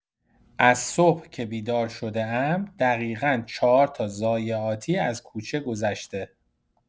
از صبح که بیدارم شده‌ام دقیقا ۴ تا ضایعاتی از کوچه گذشته.